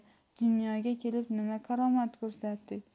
dunyoga kelib nima karomat ko'rsatdik